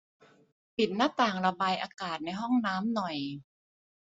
ปิดหน้าต่างระบายอากาศในห้องน้ำหน่อย